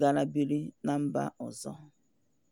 gara biri na mba ọzọ.